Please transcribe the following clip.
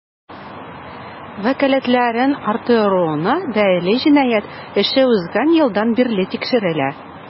Вәкаләтләрен арттыруына бәйле җинаять эше узган елдан бирле тикшерелә.